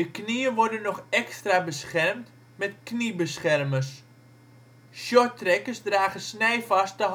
knieën worden nog extra beschermd met kniebeschermers. Shorttrackers dragen snijvaste